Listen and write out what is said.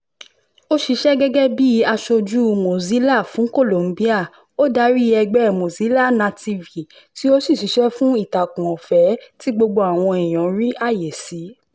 Ó ṣíṣe gẹ́gẹ́ bíi Aṣojú Mozilla fún Colombia, ó darí Ẹgbẹ́ Mozilla Nativi tí ó sì ṣiṣẹ́ fún ìtakùn ọ̀fẹ́ tí gbogbo àwọn èèyàn rí àyè sí.